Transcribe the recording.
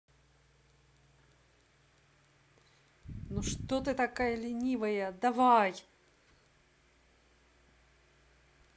ну что ты такая ленивая давай